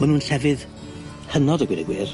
Ma' nw'n llefydd hynod a gweud y gwir.